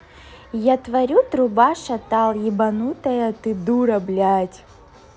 я творю труба шатал ебанутая ты дура блядь